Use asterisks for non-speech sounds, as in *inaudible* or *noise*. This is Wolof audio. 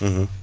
*hesitation* *hesitation*